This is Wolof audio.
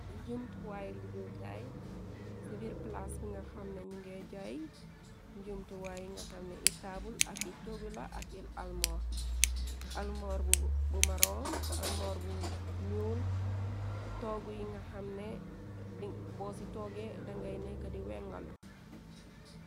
Njumtuwaayi liggeekaay ci biir plase bi nga xam na ñu nge jay njumtuwaay yi nga xamne yi taabul, ak yi toogu la, ak almoor, almoor bu maron, almoor bu ñuul, toggu yi nga xamne bo ci togge dangay ne ko di wengalu.